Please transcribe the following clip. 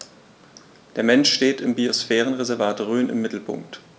Der Mensch steht im Biosphärenreservat Rhön im Mittelpunkt.